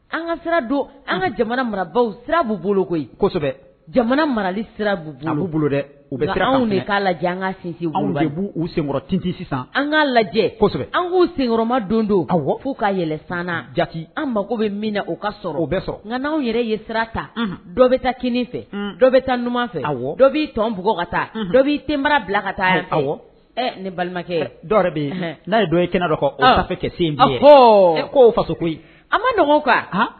An sira don an ka jamana marabaw sirabu bolo jamana marali sirabu bolo dɛ u k'a lajɛ an ka sinsin uu senkɔrɔ sisan an kaa lajɛsɛbɛ an' senma don don ka fo kaɛlɛn san jate an mago bɛ min na o ka sɔrɔ o bɛ sɔrɔ nka anwanw yɛrɛ ye sira ta dɔ bɛ taa k fɛ dɔ bɛ taauman fɛ aw dɔ bɛ tɔnug ka taa dɔ'i te mara bila ka taa ni balimakɛ dɔw bɛ n'a ye dɔ ye kɛnɛ dɔ kɛ ye k faso an ma dɔgɔ kan